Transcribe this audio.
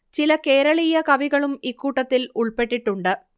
ചില കേരളീയ കവികളും ഇക്കൂട്ടത്തിൽ ഉൾപ്പെട്ടിട്ടുണ്ട്